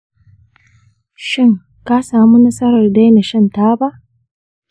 shin ka samu nasarar daina shan taba?